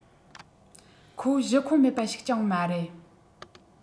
ཁོ གཞི ཁུངས མེད པ ཞིག ཀྱང མ རེད